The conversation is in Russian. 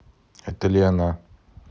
это ли она